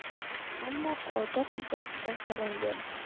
ammo odob yuzasidan salom berdi